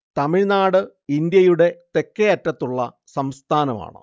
തമിഴ്നാട് ഇന്ത്യയുടെ തെക്കേയറ്റത്തുള്ള സംസ്ഥാനമാണ്